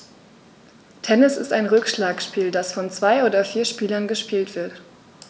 Tennis ist ein Rückschlagspiel, das von zwei oder vier Spielern gespielt wird.